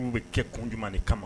K' bɛ kɛ kun jumɛn kama